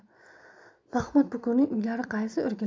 mahmud bukurning uylari qaysi